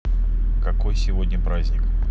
какой сегодня праздник